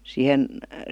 siihen